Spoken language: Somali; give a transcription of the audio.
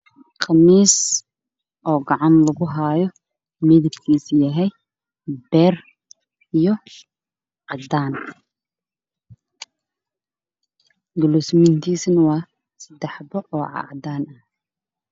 Waa qmiisyo cadaan beer ah midabkiis